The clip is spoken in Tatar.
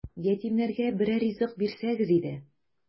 Ятимнәргә берәр ризык бирсәгез иде! ..